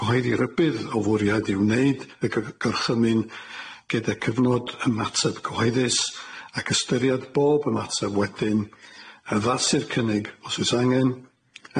Cyhoeddi rybudd o fwriad i wneud y g- gorchymyn gyda cyfnod ymateb cyhoeddus ac ystyriad bob ymateb wedyn, addasu'r cynnig os oes angen,